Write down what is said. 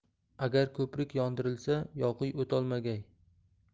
agar ko'prik yondirilsa yog'iy o'tolmagay